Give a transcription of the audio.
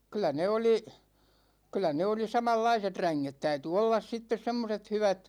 kyllä ne oli kyllä ne oli samanlaiset ränget täytyi olla sitten semmoiset hyvät